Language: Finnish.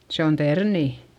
se on terniä